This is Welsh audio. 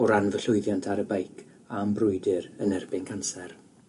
O ran fy llwyddiant ar y beic a'm brwydyr yn erbyn canser.